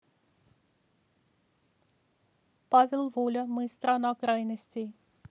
павел воля мы страна крайностей